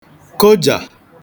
kụj̀a